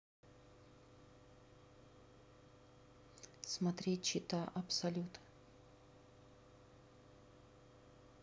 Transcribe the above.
смотреть чита абсолют